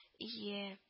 Ийее